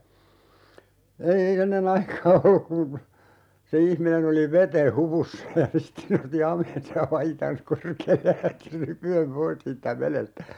ei ei ennen aikaa ollut kun se ihminen oli veden hupussa ja sitten se nosti hameensa ja paitansa korkealle ja lähti rypien pois siitä vedestä